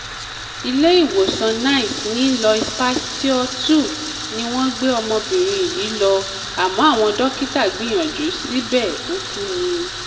Ilé-ìwòsàn Nice ní Louis Pasteur 2 ni wọ́n gbé ọmọbìnrin yìí lọ àmọ́ àwọn dókítà gbìyànjú, síbẹ̀, ó kú ni.